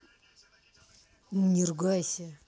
не ругайся